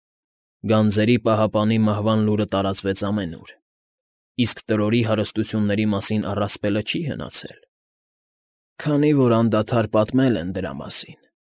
Գանձերի պահապանի մահվան լուրը տարածվեց ամենուր, իսկ Տրորի հարստությունների մասին առասպելը չի հնացել, քանի որ անդադար պատմել են դրա մասին։